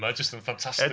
Mae o just yn ffantastig.